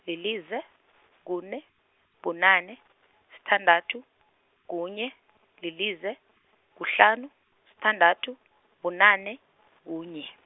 lilize, kune, bunane, sithandathu, kunye, lilize, kuhlanu, sithandathu, bunane, kunye.